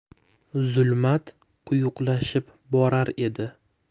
zulmat quyuqlashib borar edi